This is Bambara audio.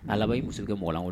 A laban i'su sokɛke mɔgɔ wa